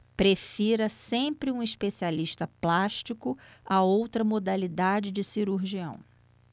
prefira sempre um especialista plástico a outra modalidade de cirurgião